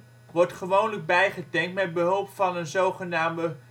gewoonlijk bijgetankt met behulp van een zogenaamde